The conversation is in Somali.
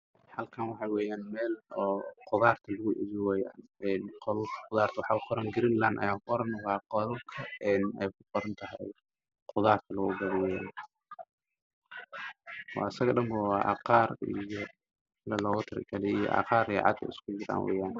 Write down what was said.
Waa tukan ama maqaayad waxaa ku dhagan boor cagaarana